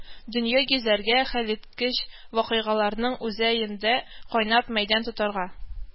Дөнья гизәргә, хәлиткеч вакыйгаларның үзә ендә кайнап мәйдан тотарга,